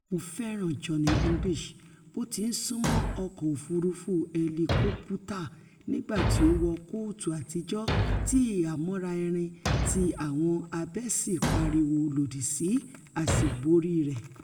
Mo fẹ́ràn Johnny English bóti ńsúnmọ́ ọkọ òfurufú hẹlikoputa nígbà tí ó wọ kóòtù àtijọ́ ti ìhámọ́ra irin tí àwọn abẹ sí pariwo lòdì sí àsíborí rẹ̀.